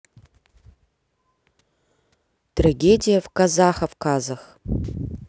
трагедия в казаховказах